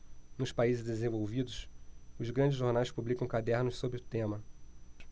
nos países desenvolvidos os grandes jornais publicam cadernos sobre o tema